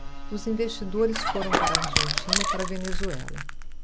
os investidores foram para a argentina e para a venezuela